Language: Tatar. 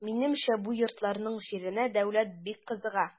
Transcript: Минемчә бу йортларның җиренә дәүләт бик кызыга.